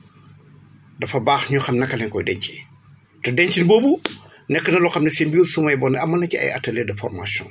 dafa baax ñu xam naka lañ koy dencee te dencin boobu nekk na loo xam ne si biir * amoon na ci ay ateliers de formation